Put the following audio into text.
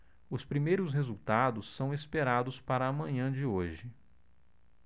os primeiros resultados são esperados para a manhã de hoje